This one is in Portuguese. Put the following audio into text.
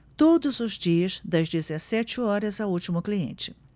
todos os dias das dezessete horas ao último cliente